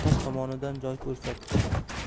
chap tomonidan joy ko'rsatdi